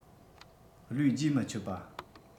བློས རྗེས མི ཆོད པ